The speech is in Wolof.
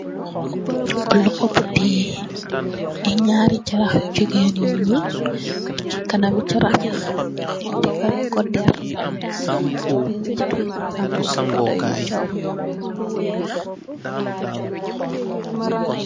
Loho bu tè naari charah hu jigéen yu ñuul. Chi kanamu charah bi nu defarè KO dèrr. Chi biir charah bi am binda-binda yu chaw.